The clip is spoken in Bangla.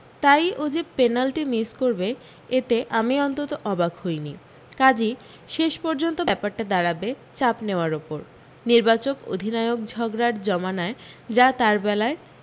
তাই ও যে পেনাল্টি মিস করবে এতে আমি অন্তত অবাক হইনি কাজই শেষ পর্যন্ত ব্যাপারটা দাঁড়াবে চাপ নেওয়ার উপর নির্বাচক অধিনায়ক ঝগড়ার জমানায় যা তার বেলায়